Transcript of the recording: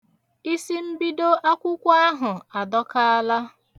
Isimbido akwụkwọ ahụ adọkaala.